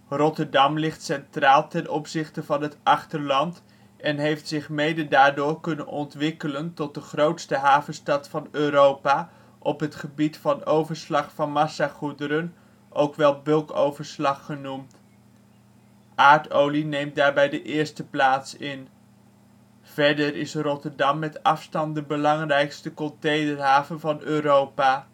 Rotterdam ligt centraal ten opzichte van het achterland en heeft zich mede daardoor kunnen ontwikkelen tot de grootste havenstad van Europa op het gebied van overslag van massagoederen, ook wel bulkoverslag genoemd. Aardolie neemt daarbij de eerste plaats in. Verder is Rotterdam met afstand de belangrijkste containerhaven van Europa